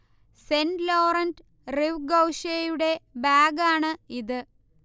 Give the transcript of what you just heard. saint Laurent Rive ഗൌഷേയുടെ ബാഗാണ് ഇത്